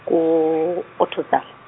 ko Ottosdal.